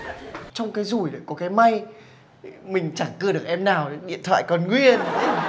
trong cái rủi lại có cái may mình chẳng cưa được em nào điện thoại còn nguyên